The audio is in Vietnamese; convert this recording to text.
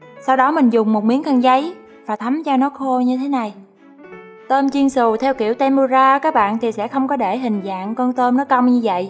sau đó mình dùng một miếng khăn giấy và thấm cho nó khô như thế này tôm chiên xù theo kiểu tempura á các bạn thì sẽ không có để hình dạng con tôm nó cong như vậy